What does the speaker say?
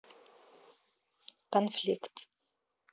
конфликт